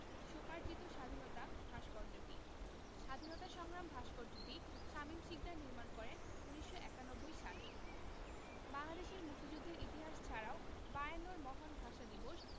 স্বোপার্জিত স্বাধীনতা ভাস্কর্যটি স্বাধীনতা সংগ্রাম ভাস্কর্যটি শামীম শিকদার নির্মাণ করেন ১৯৯১ সালে বাংলাদেশের মুক্তিযুদ্ধের ইতিহাস ছাড়াও বায়ান্নর মহান ভাষা দিবস